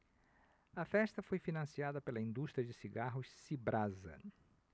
a festa foi financiada pela indústria de cigarros cibrasa